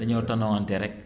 dañoo tanewante rekk